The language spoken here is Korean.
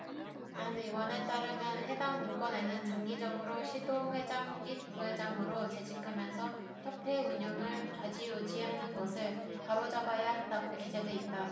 안 의원에 따르면 해당 문건에는 장기적으로 시도회장 및 부회장으로 재직하면서 협회 운영을 좌지우지하는 것을 바로잡아야 한다고 기재돼 있다